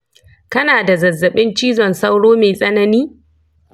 kanada zazzabin cizon sauro mai tsanani